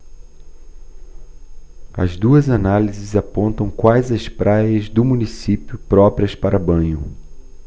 as duas análises apontam quais as praias do município próprias para banho